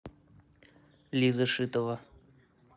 лиза шатилова